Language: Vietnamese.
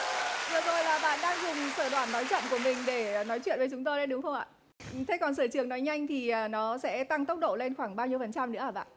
vừa rồi là bạn đang dùng sở đoản nói chậm của mình để à nói chuyện với chúng tôi đấy đúng không ạ thế còn sở trường nói nhanh thì à nó sẽ tăng tốc độ lên khoảng bao nhiêu phần trăm nữa hả bạn